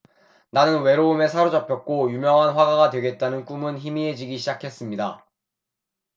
나는 외로움에 사로잡혔고 유명한 화가가 되겠다는 꿈은 희미해지기 시작했습니다